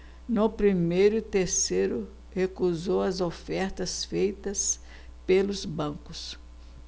no primeiro e terceiro recusou as ofertas feitas pelos bancos